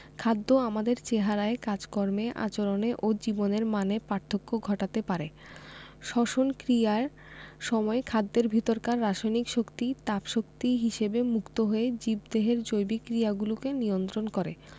খাদ্য আমাদের চেহারায় কাজকর্মে আচরণে ও জীবনের মানে পার্থক্য ঘটাতে পারে শ্বসন ক্রিয়ার সময় খাদ্যের ভেতরকার রাসায়নিক শক্তি তাপ শক্তি হিসেবে মুক্ত হয়ে জীবদেহের জৈবিক ক্রিয়াগুলোকে নিয়ন্ত্রন করে